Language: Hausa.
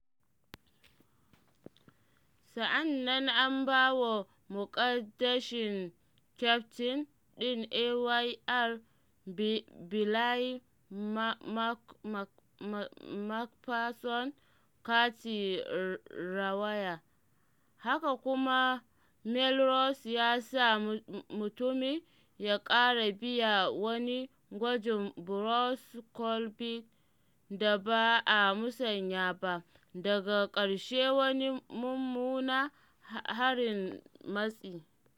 Sa’an nan an ba wa muƙaddashin kyaftin ɗin Ayr Blair Macpherson kati rawaya, haka kuma, Melrose ya sa mutumin ya ƙara biya wani gwajin Bruce Colvine da ba a musanya ba, daga ƙarshe wani mummuna harin matsi.